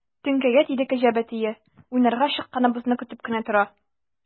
Теңкәгә тиде кәҗә бәтие, уйнарга чыкканыбызны көтеп кенә тора.